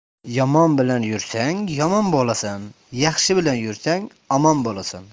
yomon bilan yursang yomon boiasan yaxshi bilan yursang omon boiasan